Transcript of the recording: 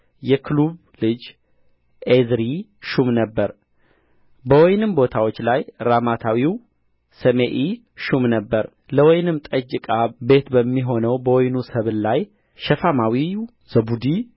የክሉብ ልጅ ዔዝሪ ሹም ነበረ በወይንም ቦታዎች ላይ ራማታዊው ሰሜኢ ሹም ነበረ ለወይንም ጠጅ ዕቃ ቤት በሚሆነው በወይኑ ሰብል ላይ ሸፋማዊው ዘብዲ